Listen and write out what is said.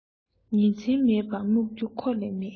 ཉིན མཚན མེད པར རྨྱུག རྒྱུ ཁོ ལས མེད